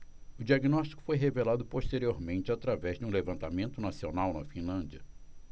o diagnóstico foi revelado posteriormente através de um levantamento nacional na finlândia